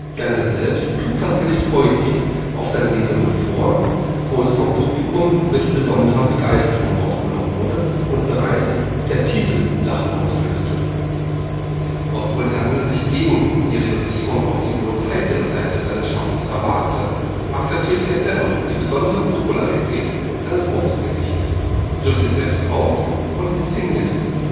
Jandl selbst trug das Gedicht häufig auf seinen Lesungen vor, wo es vom Publikum mit besonderer Begeisterung aufgenommen wurde und bereits der Titel Lachen auslöste. Obwohl Jandl sich gegen die Reduzierung auf die bloß heitere Seite seines Schaffens verwahrte, akzeptierte er dennoch die besondere Popularität seines Mops-Gedichts, griff sie selbst auf und inszenierte sie